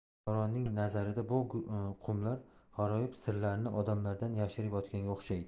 davronning nazarida bu qumlar g'aroyib sirlarini odamlardan yashirib yotganga o'xshaydi